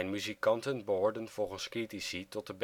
muzikanten behoorden volgens critici tot de